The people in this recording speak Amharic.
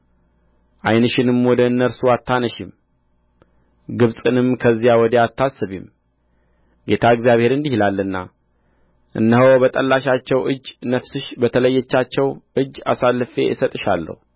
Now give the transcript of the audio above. ዓይንሽንም ወደ እነርሱ አታነሺም ግብጽንም ከዚያ ወዲያ አታስቢም ጌታ እግዚአብሔር እንዲህ ይላልና እነሆ በጠላሻቸው እጅ ነፍስሽ በተለየቻቸው እጅ አሳልፌ እሰጥሻለሁ